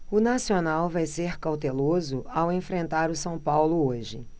o nacional vai ser cauteloso ao enfrentar o são paulo hoje